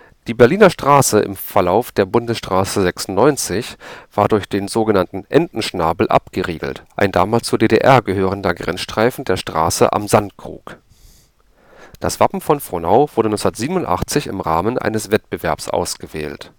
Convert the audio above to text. Die Berliner Straße im Verlauf der Bundesstraße 96 war durch den sogenannten „ Entenschnabel “abgeriegelt, ein damals zur DDR gehörender Geländestreifen der Straße Am Sandkrug. Das Wappen von Frohnau wurde 1987 im Rahmen eines Wettbewerbs ausgewählt